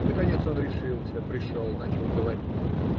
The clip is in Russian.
Наконец он решился, пришел, начал говорить.